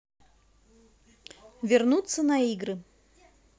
вернуться на игры